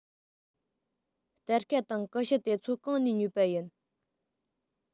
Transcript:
སྟར ཁ དང ཀུ ཤུ དེ ཚོ གང ནས ཉོས པ ཡིན